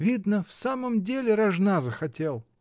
Видно, в самом деле рожна захотел.